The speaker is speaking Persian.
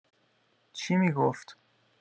چی می‌گفت